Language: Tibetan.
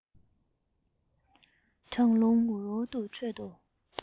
གྲང རླུང འུར འུར ཁྲོད དུ